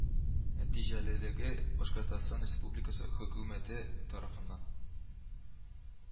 Нәтиҗәлелеге башкортстан республикасы хөкүмәте тарафыннан